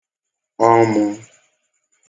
ọmụ̄